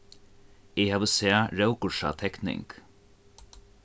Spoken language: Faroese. eg havi sæð rókursa tekning